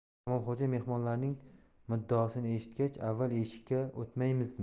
kamolxo'ja mehmonlarning muddaosini eshitgach avval eshikka o'tmaymizmi